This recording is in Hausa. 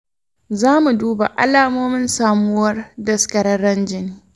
za mu duba alamomin samuwar daskararren jini.